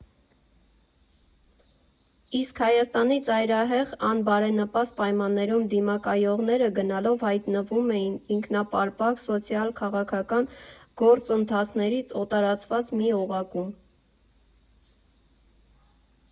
Իսկ Հայաստանի ծայրահեղ անբարենպաստ պայմաններում դիմակայողները գնալով հայտնվում էին ինքնապարփակ՝ սոցիալ֊քաղաքական գործընթացներից օտարացված մի օղակում։